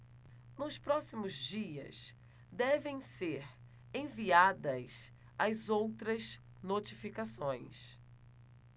nos próximos dias devem ser enviadas as outras notificações